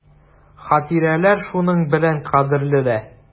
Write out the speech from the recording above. Хатирәләр шуның белән кадерле дә.